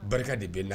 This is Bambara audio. Barika de bɛ la